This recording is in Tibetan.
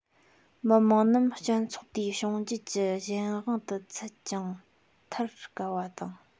མི རྣམས སྤྱི ཚོགས དེའི བྱུང རྒྱལ གྱི གཞན དབང དུ ཚུད ཅིང ཐར དཀའ བ དང